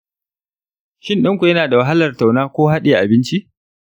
shin ɗan ku yana da wahalar tauna ko hadiye abinci?